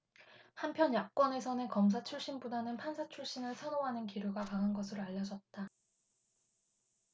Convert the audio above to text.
한편 야권에서는 검사 출신보다는 판사 출신을 선호하는 기류가 강한 것으로 알려졌다